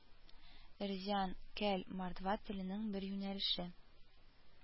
Эрзянь кяль мордва теленең бер юнәлеше